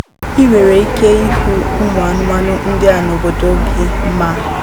"I nwere ike ịhụ ụmụanụmanụ ndị a n'obodo gị?", ma